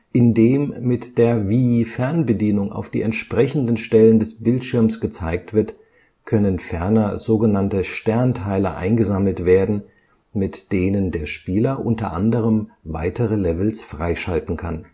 Indem mit der Wii-Fernbedienung auf die entsprechenden Stellen des Bildschirms gezeigt wird, können ferner sogenannte Sternteile eingesammelt werden, mit denen der Spieler unter anderem weitere Levels freischalten kann